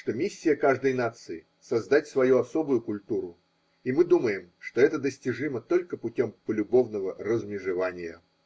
что миссия каждой нации – создать свою особую культуру: и мы думаем, что это достижимо только путем полюбовного размежевания.